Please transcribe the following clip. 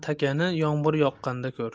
takani yomg'ir yoqqanda ko'r